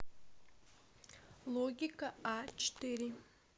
логика а четыре